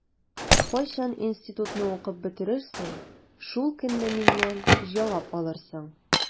Кайчан институтны укып бетерерсең, шул көнне миннән җавап алырсың.